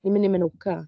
Ni'n mynd i Menorca.